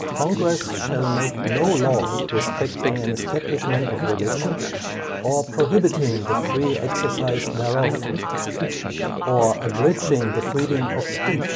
Congress shall make no law respecting an establishment of religion, or prohibiting the free exercise thereof; or abridging the freedom of speech